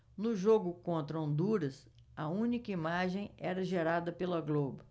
no jogo contra honduras a única imagem era gerada pela globo